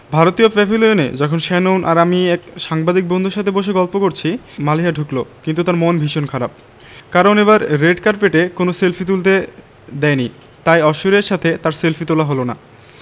ভারতীয় প্যাভিলিয়নে যখন শ্যানন আর আমি এক সাংবাদিক বন্ধুর সাথে বসে গল্প করছি মালিহা ঢুকলো কিন্তু তার মন ভীষণ খারাপ কারণ এবার রেড কার্পেটে কোনো সেলফি তুলতে দেয়নি তাই ঐশ্বরিয়ার সাথে তার সেলফি তোলা হলো না